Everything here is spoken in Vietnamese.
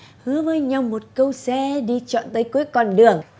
hứa với nhau một câu xe đi trọn tới cuối con đường